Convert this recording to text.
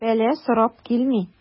Бәла сорап килми.